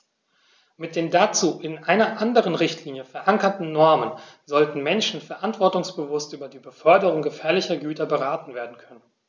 Mit den dazu in einer anderen Richtlinie, verankerten Normen sollten Menschen verantwortungsbewusst über die Beförderung gefährlicher Güter beraten werden können.